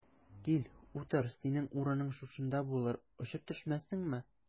Кил, утыр, синең урының шушында булыр, очып төшмәссеңме?